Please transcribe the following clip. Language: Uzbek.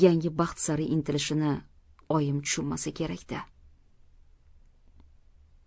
yangi baxt sari intilishini oyim tushunmasa kerak da